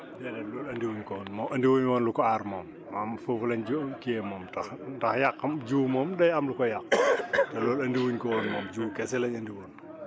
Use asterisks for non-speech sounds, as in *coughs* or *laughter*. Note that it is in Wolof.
déedéet loolu indiwuñ ko woon indiwuñ woon lu ko aar moom moom foofu lañ ju kiyee moom ndax ndax yaa xam jiw moom day am lu koy yàq *coughs* te loolu indiwuñ ko woon moom *coughs* jiw kese lañ indiwoon